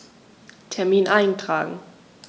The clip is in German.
Termin eintragen